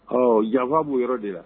Ɔ janfa' yɔrɔ de la